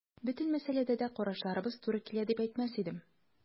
Бөтен мәсьәләдә дә карашларыбыз туры килә дип әйтмәс идем.